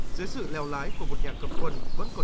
dưới sự lèo lái của một nhà cầm quân vẫn còn